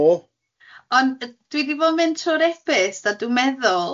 O. Ond yy dwi di fod yn mynd trwy'r e-byst a dwi'n meddwl